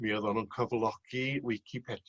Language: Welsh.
mi oddon nw'n cyflogi